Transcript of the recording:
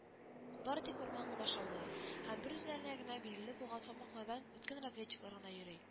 Бары тик урман гына шаулый һам бер үзләренә генә билгеле булган сукмаклардан үткен разведчиклар гына йөри